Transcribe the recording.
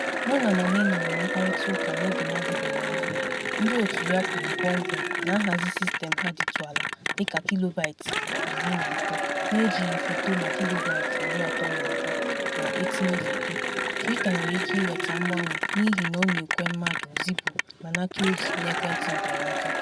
Mụ na Maneno nwere mkparịtaụka n'oge na-adịbeghị anya, ndị òtù ya kwuru kpọmkwem na nhazị sistemụ ha dịtụ ala dịka 13kb n'ejighị foto na 33kb ma etinye foto... Twitter nwere ike iweta mgbanwe n'ihi na ọ na-ekwe mmadụ zịpụ ma nata ozi n'ekwentị mkpanaaka.